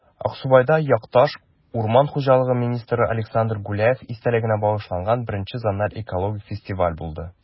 Аксубайда якташ, урман хуҗалыгы министры Александр Гуляев истәлегенә багышланган I зональ экологик фестиваль булды